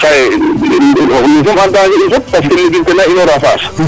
Xaye nous sommes en dangers in fop yaam légume naa inooraa saas